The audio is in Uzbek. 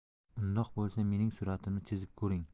undoq bo'lsa mening suratimni chizib ko'ring